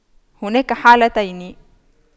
هناك حالتين